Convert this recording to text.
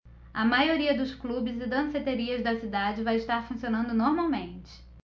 a maioria dos clubes e danceterias da cidade vai estar funcionando normalmente